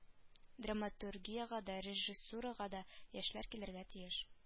Драматургиягә дә режиссурага да яшьләр килергә тиеш